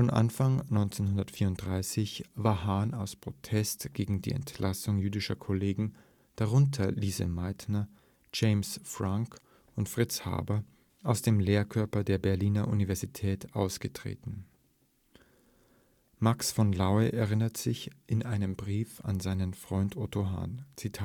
Anfang 1934 war Hahn aus Protest gegen die Entlassung jüdischer Kollegen, darunter Lise Meitner, James Franck und Fritz Haber, aus dem Lehrkörper der Berliner Universität ausgetreten. Max von Laue erinnert sich in einem Brief an seinen Freund Otto Hahn: „ Die